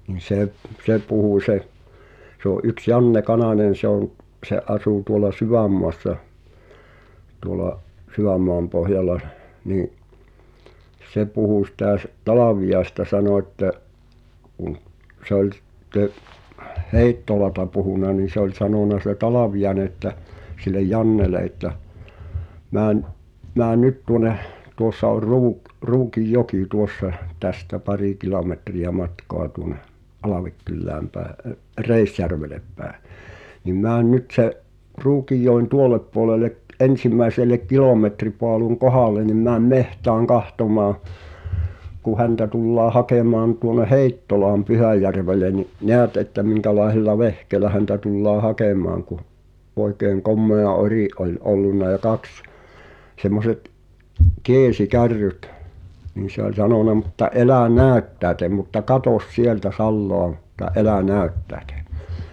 niin se se puhui se se on yksi Janne Kananen se on se asui tuolla Sydänmaassa tuolla Sydänmaanpohjalla niin se puhui sitä - Talviaisesta sanoi että kun se oli sitten Heittolasta puhunut niin se oli sanonut se Talviainen että sille Jannelle että meni mene nyt tuonne tuossa oli - Ruukinjoki tuossa tästä pari kilometriä matkaa tuonne Alvekylään päin - Reisjärvelle päin niin mene nyt sen Ruukinjoen tuolle puolelle ensimmäiselle kilometripaalun kohdalle niin mene metsään katsomaan kun häntä tullaan hakemaan tuonne Heittolaan Pyhäjärvelle niin näet että minkälaisella vehkeellä häntä tullaan hakemaan kun oikein komea ori oli ollut ja kaksi semmoiset keesikärryt niin se oli sanonut mutta älä näyttäydy mutta katso sieltä salaa mutta älä näyttäydy